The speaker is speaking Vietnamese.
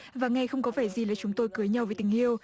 và nghe không có vẻ gì là chúng tôi cưới nhau vì tình yêu